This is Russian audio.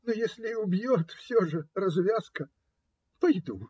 но если и убьет, все же развязка. Пойду.